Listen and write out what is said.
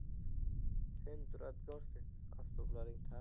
sen duradgorsen asboblaring taxt